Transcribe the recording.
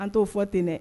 An' fɔ tɛ dɛ